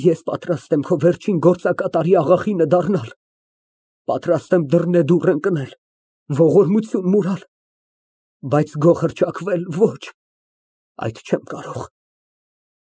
Ես պատրաստ եմ քո վերջին գործակատարի աղախինը դառնալ, պատրաստ եմ դռնեդուռ ընկնել, ողորմություն մուրալ, բայց գող հռչակվել, ոչ այդ չեմ կարող։